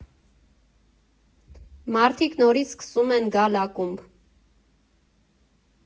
Մարդիկ նորից սկսում են գալ ակումբ։